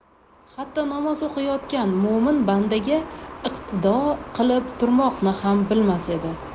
hatto namoz o'qiyotgan mo''min bandaga iqtido qilib turmoqni ham bilmas edi